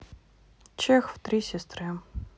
чехов три сестры